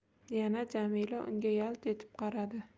yana jamila unga yalt etib qaradi